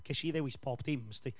Ges i ddewis bob dim sdi